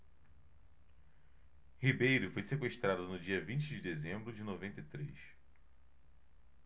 ribeiro foi sequestrado no dia vinte de dezembro de noventa e três